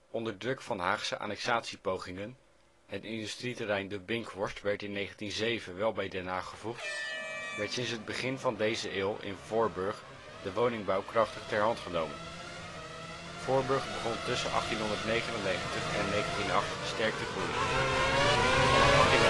Onder druk van Haagse annexatiepogingen (het industrieterrein ' de Binckhorst ' werd in 1907 wel bij Den Haag gevoegd) werd sinds het begin van deze eeuw in Voorburg de woningbouw krachtig ter hand genomen. Voorburg begon tussen 1899 en 1908 sterk te groeien. Vanaf 1899